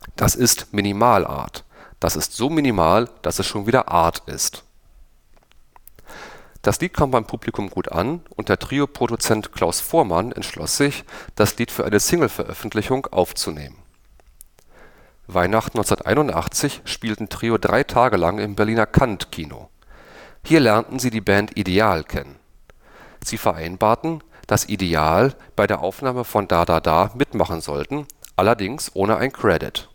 Das ist Minimal-Art. Das ist so minimal, dass es schon wieder Art ist. “Das Lied kam beim Publikum gut an, und der Trio-Produzent Klaus Voormann entschloss sich, das Lied für eine Single-Veröffentlichung aufzunehmen. Weihnachten 1981 spielten Trio drei Tage lang im Berliner „ Kant Kino “. Hier lernten sie die Band Ideal kennen. Sie vereinbarten, dass Ideal bei der Aufnahme von „ Da da da “mitmachen sollten – allerdings ohne einen Credit